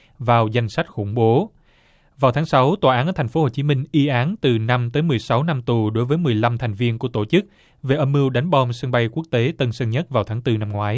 vào danh sách khủng bố vào tháng sáu tòa án ở thành phố hồ chí minh y án từ năm tới mười sáu năm tù đối với mười lăm thành viên của tổ chức về âm mưu đánh bom sân bay quốc tế tân sơn nhất vào tháng tư năm ngoái